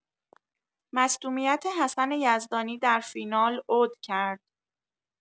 مصدومیت حسن یزدانی در فینال عود کرد